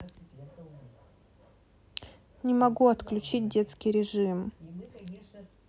не могу отключить детский режим